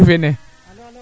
manaam nete leyitna leytiro na